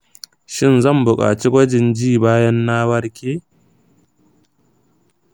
shin zan buƙaci gwajin ji bayan na warke?